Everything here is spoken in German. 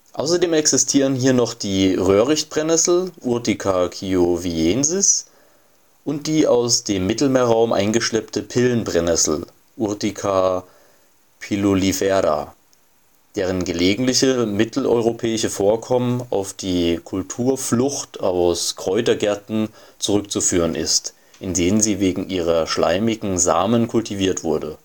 außerdem existieren hier noch die Röhricht-Brennnessel (Urtica kioviensis) und die aus dem Mittelmeerraum eingeschleppte Pillen-Brennnessel (Urtica pilulifera), deren gelegentliche mitteleuropäische Vorkommen auf die Kulturflucht aus Kräutergärten zurückzuführen ist, in denen sie wegen ihrer schleimigen Samen kultiviert wurde